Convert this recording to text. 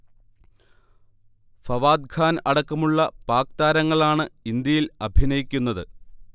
ഫവാദ്ഖാൻ അടക്കമുള്ള പാക് താരങ്ങളാണ് ഇന്ത്യയിൽ അഭിനയിക്കുന്നത്